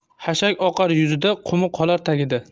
xashak oqar yuzida qumi qolar tagida